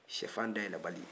sisɛfan dayɛlɛnbali